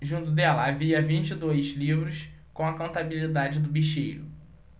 junto dela havia vinte e dois livros com a contabilidade do bicheiro